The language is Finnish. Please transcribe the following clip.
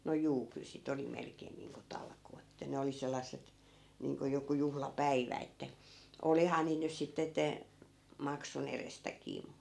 no juu kyllä sitä oli melkein niin kuin talkoot että ne oli sellaiset niin kuin joku juhlapäivä että olihan niitä nyt sitten että maksun edestäkin mutta